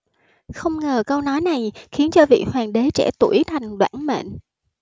không ngờ câu nói này khiến cho vị hoàng đế trẻ tuổi thành đoản mệnh